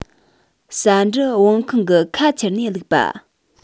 ཟ འབྲུ བང ཁང གི ཁ འཕྱུར དུ བླུགས པ